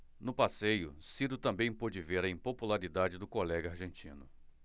no passeio ciro também pôde ver a impopularidade do colega argentino